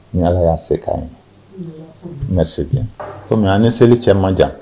Ni Ala y'a se k'an ye. . merci bien, comme an ni seli tɔ man jan.